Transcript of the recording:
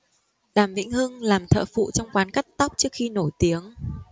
đàm vĩnh hưng làm thợ phụ trong quán cắt tóc trước khi nổi tiếng